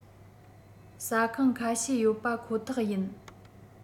ཟ ཁང ཁ ཤས ཡོད པ ཁོ ཐག ཡིན